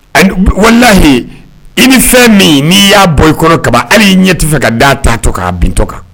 Walihi i ni fɛn min n'i y'a bɔ ikɔrɔ kaba hali y'i ɲɛti fɛ ka da t ta to k'a bintɔ kan